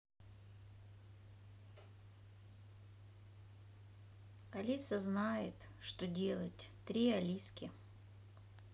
алиса знает что делать три алиски